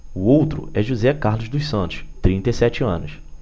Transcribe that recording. o outro é josé carlos dos santos trinta e sete anos